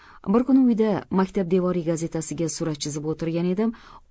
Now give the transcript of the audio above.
bir kuni uyda maktab devoriy gazetasiga surat chizib o'tirgan edim